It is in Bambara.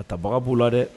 A tabaga b'u la dɛ